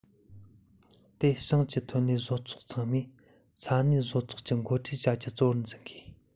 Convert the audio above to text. དེ བྱིངས ཀྱི ཐོན ལས བཟོ ཚོགས ཚང མས ས གནས བཟོ ཚོགས ཀྱིས འགོ ཁྲིད བྱ རྒྱུ གཙོ བོར འཛིན དགོས